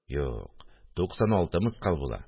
– юк, туксан алты мыскал була